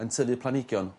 yn tynu planhigion